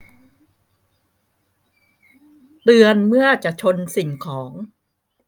เตือนเมื่อจะชนสิ่งของ